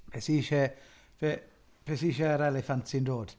Beth sydd isie, be- beth sydd isie ar eliffant sy'n dod?